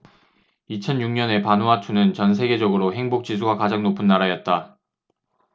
이천 육 년에 바누아투는 전 세계적으로 행복 지수가 가장 높은 나라였다